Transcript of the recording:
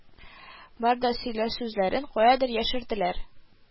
Бар да сөйләр сүзләрен каядыр яшерделәр